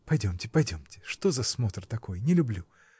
— Пойдемте, пойдемте, что за смотр такой, — не люблю!.